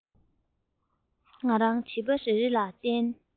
ང རང བྱིས པ རེ རེ ལ བསྟན